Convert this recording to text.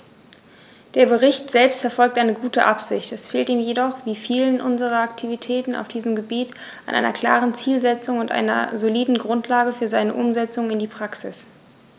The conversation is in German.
Der Bericht selbst verfolgt eine gute Absicht, es fehlt ihm jedoch wie vielen unserer Aktivitäten auf diesem Gebiet an einer klaren Zielsetzung und einer soliden Grundlage für seine Umsetzung in die Praxis.